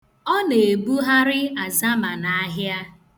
Ọ na-ebugharị azama n'ahịa.